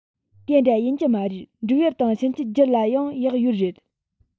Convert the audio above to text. དེ འདྲ ཡིན གྱི མ རེད འབྲུག ཡུལ དང ཤིན ཅང རྒྱུད ལ ཡང གཡག ཡོད རེད